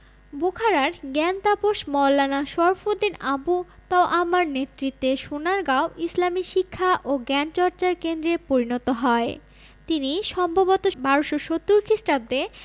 বোখারার জ্ঞানতাপস মওলানা শরফুদ্দীন আবু তওয়ামার নেতৃত্বে সোনারগাঁও ইসলামি শিক্ষা ও জ্ঞানচর্চার কেন্দ্রে পরিণত হয় তিনি সম্ভবত ১২৭০ খ্রিস্টাব্দে